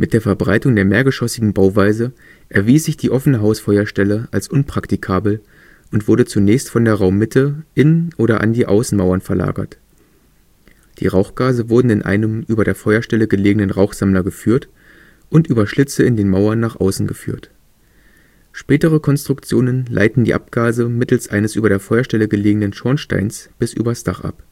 der Verbreitung der mehrgeschossigen Bauweise erwies sich die offene Hausfeuerstelle als unpraktikabel und wurde zunächst von der Raummitte in oder an die Außenmauern verlagert. Die Rauchgase wurden in einem über der Feuerstelle gelegenen Rauchsammler geführt und über Schlitze in den Mauern nach außen geführt. Spätere Konstruktionen leiten die Abgase mittels eines über der Feuerstelle gelegenen Schornsteins bis über Dach ab